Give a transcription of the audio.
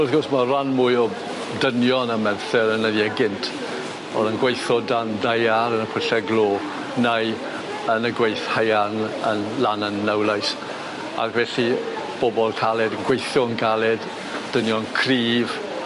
Wrth gwrs ma' ran mwy o dynion yn Merthyr yn gynt o'dd yn gweitho dan daear yn y Pwylle glo neu yn y gweith haearn yn lan yn Nowlais ag felly bobol caled yn gweithio'n galed, dynion cryf.